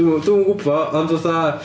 Dw dwi'm yn gwbod, ond fatha...